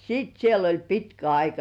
sitten siellä oli pitkä aika